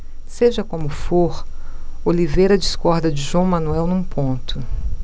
seja como for oliveira discorda de joão manuel num ponto